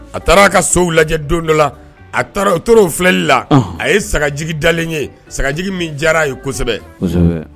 A taara ka sow lajɛ don dɔ la a tora o filɛli la a ye sagajigi dalen ye sagajigi min diyar'a ye kosɛbɛ, kosɛbɛ